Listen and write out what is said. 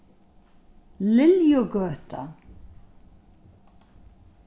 liljugøta